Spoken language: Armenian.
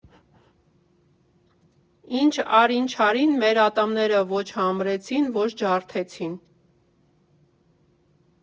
Ինչ արին֊չարին՝ մեր ատամները ոչ համրեցին, ոչ ջարդեցին։